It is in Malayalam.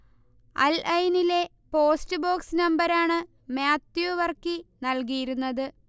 അൽ ഐ നിലെ പോസ്റ്റ് ബോക്സ് നമ്പരാണ് മാത്യു വർക്കി നൽകിയിരുന്നത്